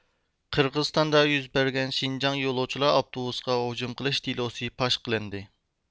قىرغىزىستاندا يۈز بەرگەن شىنجاڭ يولۇچىلار ئاپتوبۇسىغاھۇجۇم قىلىش دېلوسى پاش قىلىندى